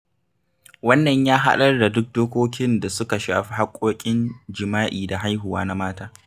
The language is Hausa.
Wannan ya haɗar da duk dokokin da suka shafi haƙƙoƙin jima'i da haihuwa na mata.